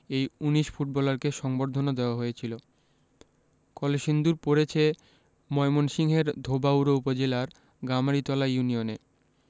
এই ১৯ ফুটবলারকে সংবর্ধনা দেওয়া হয়েছিল কলসিন্দুর পড়েছে ময়মনসিংহের ধোবাউড়া উপজেলার গামারিতলা ইউনিয়নে